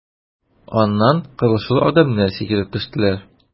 Аннан кылычлы адәмнәр сикереп төштеләр.